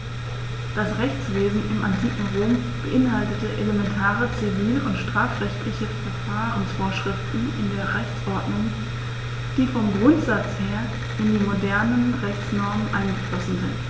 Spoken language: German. Das Rechtswesen im antiken Rom beinhaltete elementare zivil- und strafrechtliche Verfahrensvorschriften in der Rechtsordnung, die vom Grundsatz her in die modernen Rechtsnormen eingeflossen sind.